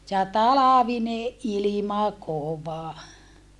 ja talvinen ilma kova